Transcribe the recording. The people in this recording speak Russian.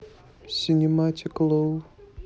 синематик лол